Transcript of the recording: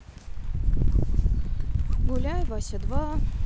гуляй вася два